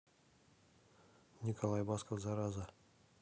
николай басков зараза